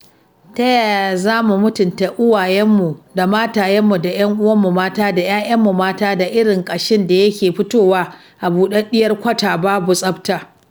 Ta yaya za mu mutunta uwayenmu da matayenmu da 'yan uwanmu mata da 'ya'yanmu mata da irin kashin da yake fitowa ta buɗaɗɗiyar kwata - babu tsafta?